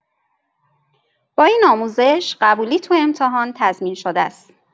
با این آموزش، قبولی تو امتحان تضمین‌شده ست.